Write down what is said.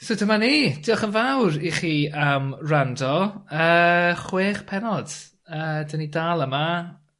So dyma ni, diolch yn fawr i chi am wrando yy chwech pennod a 'dyn ni dal yma.